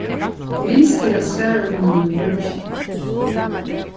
minst til at svara honum í morgin